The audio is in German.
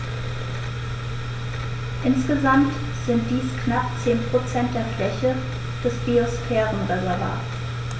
Insgesamt sind dies knapp 10 % der Fläche des Biosphärenreservates.